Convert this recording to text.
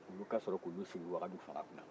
olu ka sɔrɔ k'u sigi wagadu fanga kunna